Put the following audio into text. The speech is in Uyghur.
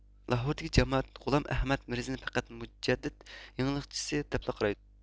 لاھوردىكى جامائەت غۇلام ئەھمەد مىرزىنى پەقەت مۇجەدىد يېڭىلىقچىسى دەپلا قارايدۇ